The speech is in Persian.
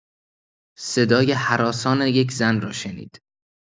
صدای هراسان یک زن را شنید.